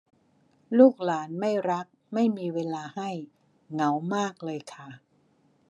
ลูกหลานไม่รักไม่มีเวลาให้เหงามากเลยค่ะ